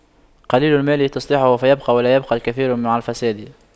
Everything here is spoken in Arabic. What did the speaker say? قليل المال تصلحه فيبقى ولا يبقى الكثير مع الفساد